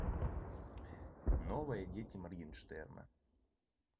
новая дети моргенштерна